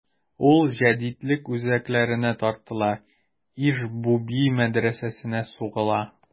Ул җәдитлек үзәкләренә тартыла: Иж-буби мәдрәсәсенә сугыла.